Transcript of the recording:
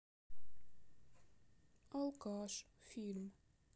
алкаш фильм